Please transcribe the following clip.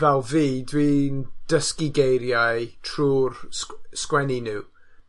fel fi, dwi'n dysgu geiriau trw'r sg- sgwennu nw.